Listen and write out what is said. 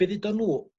be ddudo n'w